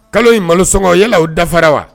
Kalo in malo sɔngɔ yala o dafara wa